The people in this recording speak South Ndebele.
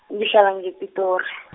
ngihlala ngePitori .